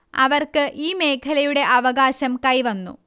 അവർക്ക് ഈ മേഖലയുടെ അവകാശം കൈവന്നു